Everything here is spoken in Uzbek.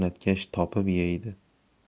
mehnatkash topib yeydi